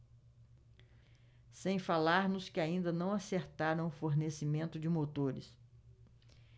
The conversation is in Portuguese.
sem falar nos que ainda não acertaram o fornecimento de motores